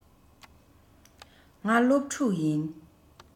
ང སློབ ཕྲུག ཡིན